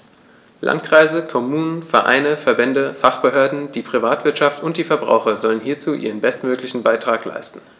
Landkreise, Kommunen, Vereine, Verbände, Fachbehörden, die Privatwirtschaft und die Verbraucher sollen hierzu ihren bestmöglichen Beitrag leisten.